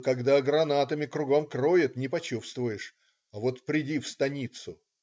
- "Когда гранатами кругом кроет не почувствуешь, а вот приди в станицу.